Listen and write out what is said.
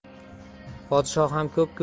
podsho ham ko'p ku